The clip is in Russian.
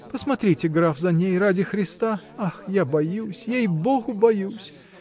– Посмотрите, граф, за ней, ради Христа! Ах! я боюсь, ей-богу, боюсь.